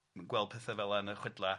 Ni'n gweld pethe fel 'a yn y chwedla.